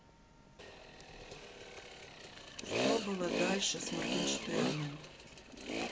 что было дальше с моргенштерном